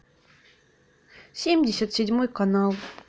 семьдесят седьмой канал